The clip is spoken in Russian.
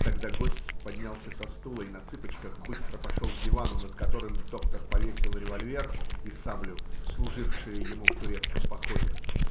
Тогда гость поднялся со стула и на цыпочках быстро пошел к дивану, над которым доктор повесил револьвер и саблю, служившие ему в турецком походе.